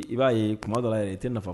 I b'a ye kuma dɔ i tɛ nafa